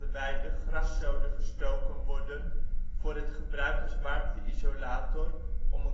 weide graszoden gestoken worden voor het gebruik als warmte-isolator om